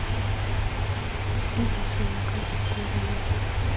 эдисон и катя в городе